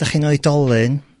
'dych chi'n oedolyn,